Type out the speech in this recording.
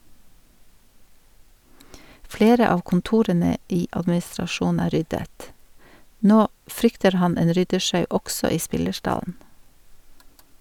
Flere av kontorene i administrasjonen er ryddet, nå frykter han en ryddesjau også i spillerstallen.